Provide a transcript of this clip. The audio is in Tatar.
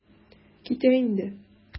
Китә инде.